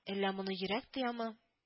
Әллә моны йөрәк тоямы